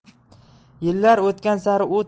yillar o'tgani sari u